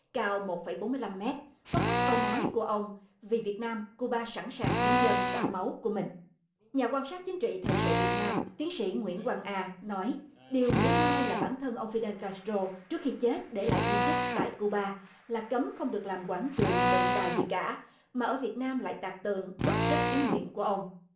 cao một phẩy bốn mươi lăm mét có khắc câu nói của ông vì việt nam cu ba sẵn sàng hiến dâng cả máu của mình nhà quan sát chính trị thời sự việt nam tiến sĩ nguyễn quang a nói điều mỉa mai là bản thân ông phi đen cát trô trước khi chết để lại di chúc tại cu ba là cấm không được làm quảng trường tượng đài gì cả mà ở việt nam lại tạc tượng bất chấp ý nguyện của ông